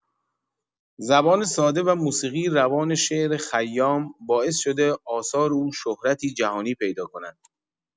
زبان ساده و موسیقی روان شعر خیام باعث شده آثار او شهرتی جهانی پیدا کند.